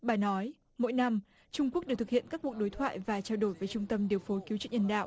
bà nói mỗi năm trung quốc để thực hiện các cuộc đối thoại và trao đổi với trung tâm điều phối cứu trợ nhân đạo